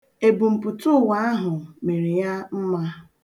Ebumpụtụụwa ahụ mere ya mma.